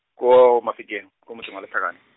ko Mafikeng, ko motseng wa Lethakane.